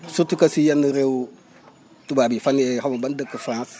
surtout que si yenn réew tubaab yi fan yee xaw ma ban dëkk France ci